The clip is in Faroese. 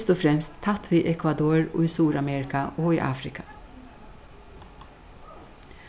fyrst og fremst tætt við ekvador í suðuramerika og í afrika